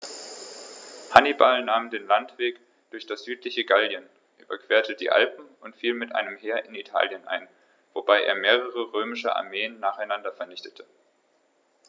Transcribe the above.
Hannibal nahm den Landweg durch das südliche Gallien, überquerte die Alpen und fiel mit einem Heer in Italien ein, wobei er mehrere römische Armeen nacheinander vernichtete.